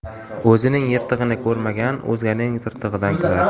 o'zining yirtig'ini ko'rmagan o'zganing tirtig'idan kular